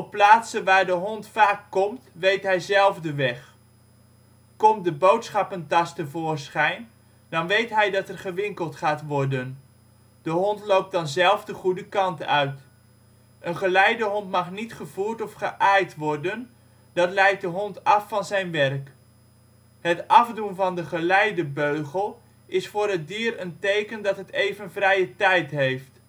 plaatsen waar de hond vaak komt weet hij zelf de weg. Komt de boodschappentas tevoorschijn dan weet hij dat er gewinkeld gaat worden. De hond loopt dan zelf de goede kant uit. Een geleidehond mag niet gevoerd of geaaid worden, dat leidt de hond af van zijn werk. Het afdoen van de geleidebeugel is voor het dier een teken dat het even vrije tijd heeft